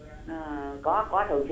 á ơ có có thường